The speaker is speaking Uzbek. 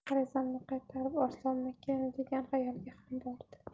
arizamni qaytarib olsammikin degan xayolga ham bordi